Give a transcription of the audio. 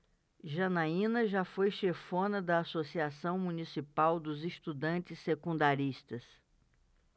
janaina foi chefona da ames associação municipal dos estudantes secundaristas